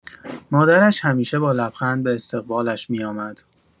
مادرش همیشه با لبخند به استقبالش می‌آمد.